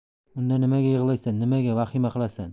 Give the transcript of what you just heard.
unda nimaga yig'laysan nimaga vahima qilasan